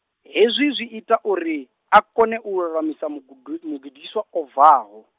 hezwi zwi ita uri, a kone u lulamisa mugugu- mugudiswa o bvaho.